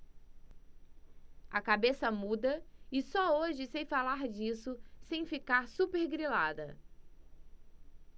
a cabeça muda e só hoje sei falar disso sem ficar supergrilada